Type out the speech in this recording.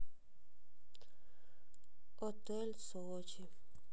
отель сочи